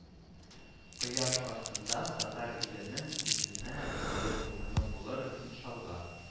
Кояш астында Татар Иленең үзенә лаек урыны булыр, иншалла